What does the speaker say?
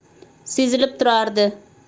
sezilib turardi